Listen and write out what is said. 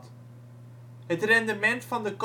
rendement van de kolencentrale